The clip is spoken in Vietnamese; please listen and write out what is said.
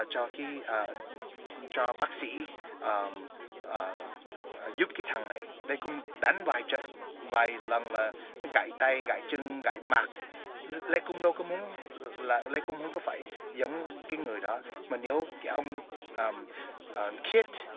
cho kí à cho bác sĩ à à dứt cái thằng này lê công đánh vài trận vài lần là nó gẫy tay gẫy chân gẫy mặt lê công đâu có muốn là lê công không có phải giống cái người đó mà nếu cái ông à à kết